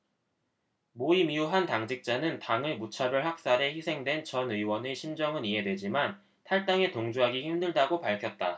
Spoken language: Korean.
모임 이후 한 당직자는 당의 무차별 학살에 희생된 전 의원의 심정은 이해되지만 탈당에 동조하기 힘들다고 밝혔다